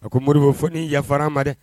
A ko Moribo fɔ ni yafala n ma dɛ.